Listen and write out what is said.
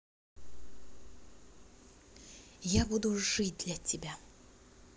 я буду жить для тебя